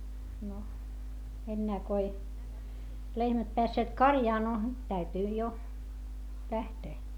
no enää kun ei lehmät päässeet karjaan no täytyi jo lähteä